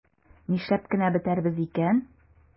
Нишләп кенә бетәрбез икән?